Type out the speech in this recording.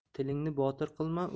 tilingni botir qilma